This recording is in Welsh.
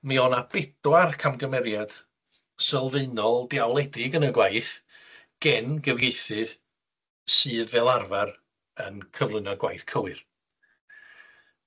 Mi o' 'na bedwar camgymeriad sylfaenol, diawledig yn y gwaith gen gyfieithydd sydd fel arfar yn cyflwyno gwaith cywir.